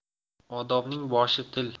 odobning boshi til